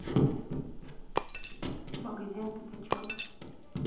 магазин пятачок